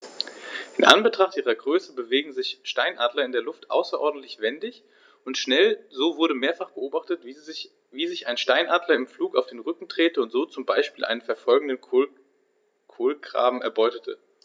In Anbetracht ihrer Größe bewegen sich Steinadler in der Luft außerordentlich wendig und schnell, so wurde mehrfach beobachtet, wie sich ein Steinadler im Flug auf den Rücken drehte und so zum Beispiel einen verfolgenden Kolkraben erbeutete.